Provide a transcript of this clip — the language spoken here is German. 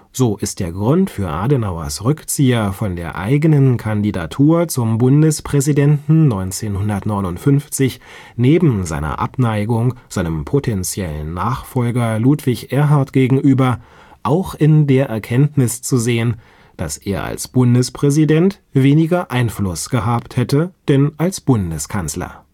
So ist der Grund für Adenauers Rückzieher von der eigenen Kandidatur zum Bundespräsidenten 1959 – neben seiner Abneigung seinem potentiellen Nachfolger Ludwig Erhard gegenüber – auch in der Erkenntnis zu sehen, dass er als Bundespräsident weniger Einfluss gehabt hätte denn als Bundeskanzler